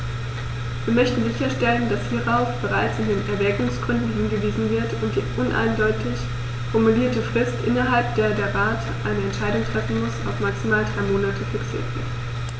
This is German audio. Wir möchten sicherstellen, dass hierauf bereits in den Erwägungsgründen hingewiesen wird und die uneindeutig formulierte Frist, innerhalb der der Rat eine Entscheidung treffen muss, auf maximal drei Monate fixiert wird.